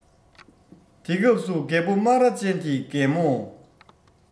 དེ སྐབས སུ རྒད པོ རྨ ར ཅན དེས རྒད མོ